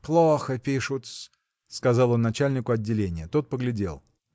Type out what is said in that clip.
– Плохо пишут-с, – сказал он начальнику отделения. Тот поглядел.